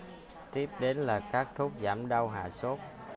tiếp đến là các thuốc giảm đau hạ sốt